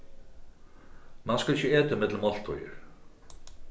mann skal ikki eta ímillum máltíðir